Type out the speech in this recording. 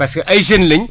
parce que ay jeunes lañ